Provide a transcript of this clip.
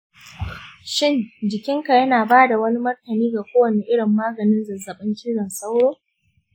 shin jikinka yana ba da wani martani ga kowane irin maganin zazzabin cizon sauro?